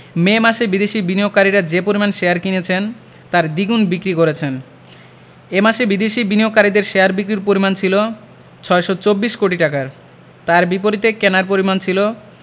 মে মাসে বিদেশি বিনিয়োগকারীরা যে পরিমাণ শেয়ার কিনেছেন তার দ্বিগুণ বিক্রি করেছেন এ মাসে বিদেশি বিনিয়োগকারীদের শেয়ার বিক্রির পরিমাণ ছিল ৬২৪ কোটি টাকার তার বিপরীতে কেনার পরিমাণ ছিল